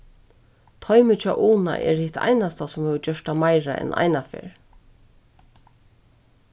toymið hjá una er hitt einasta sum hevur gjørt tað meira enn eina ferð